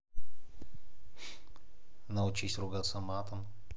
научись ругаться матом